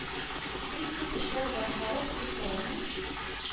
Бик күп эшләр башкарып, күпләрне